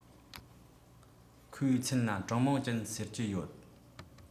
ཁོའི མཚན ལ ཀྲང མིང ཅུན ཟེར གྱི ཡོད